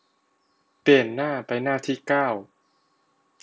เปลี่ยนหน้าไปหน้าที่เก้า